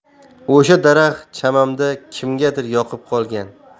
o'sha daraxt chamamda kimgadir yoqib qolgan